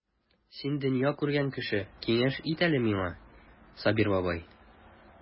Син дөнья күргән кеше, киңәш ит әле миңа, Сабир бабай.